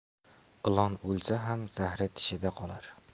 ilon o'lsa ham zahri tishida qolar